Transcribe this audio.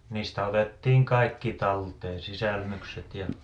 niistä otettiin kaikki talteen sisälmykset ja